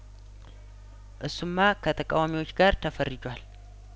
እሱማ ከተቃዋሚዎች ጋር ተፈርጇል